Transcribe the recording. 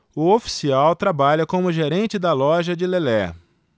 o oficial trabalha como gerente da loja de lelé